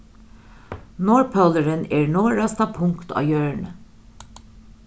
norðpólurin er norðasta punkt á jørðini